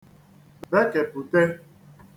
bekèput̀e